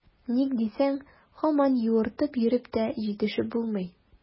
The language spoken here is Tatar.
Ник дисәң, һаман юыртып йөреп тә җитешеп булмый.